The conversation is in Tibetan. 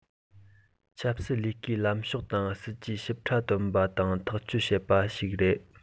ཆབ སྲིད ལས ཀའི ལམ ཕྱོགས དང སྲིད ཇུས ཞིབ ཕྲ བཏོན པ དང ཐག གཅོད བྱས པ ཞིག རེད